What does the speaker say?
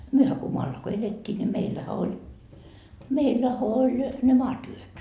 mehän kun maalla kun elettiin niin meillähän oli meillähän oli ne maatyöt